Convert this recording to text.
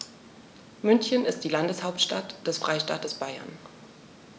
München ist die Landeshauptstadt des Freistaates Bayern.